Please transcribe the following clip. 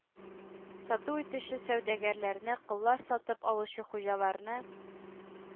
Сату итүче сәүдәгәрләрне, коллар сатып алучы хуҗаларны